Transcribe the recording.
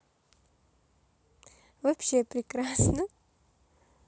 вообще прекрасно